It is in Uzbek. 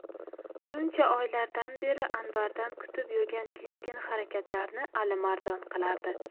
shuncha oylardan beri anvardan kutib yurgan keskin harakatlarni alimardon qilardi